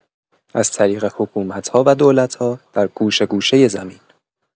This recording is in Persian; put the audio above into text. از طریق حکومت‌ها و دولت‌ها، در گوشه گوشۀ زمین